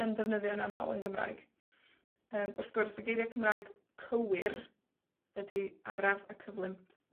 yn defnyddio'n amal yn Gymraeg. Yym, wrth gwrs, y geirie Cymraeg cywir ydi araf y cyflym.